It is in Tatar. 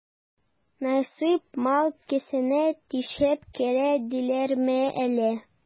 Насыйп мал кесәне тишеп керә диләрме әле?